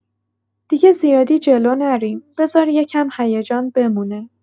دیگه زیادی جلو نریم، بذار یه کم هیجان بمونه.